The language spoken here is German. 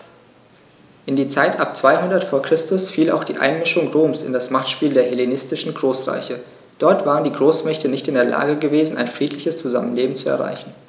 In die Zeit ab 200 v. Chr. fiel auch die Einmischung Roms in das Machtspiel der hellenistischen Großreiche: Dort waren die Großmächte nicht in der Lage gewesen, ein friedliches Zusammenleben zu erreichen.